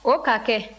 o ka kɛ